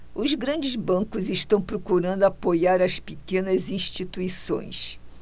os grandes bancos estão procurando apoiar as pequenas instituições